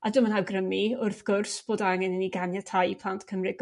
A dwi'm yn awgrymu wrth gwrs fod angen i ni ganiatáu plant cymry'